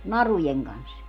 narujen kanssa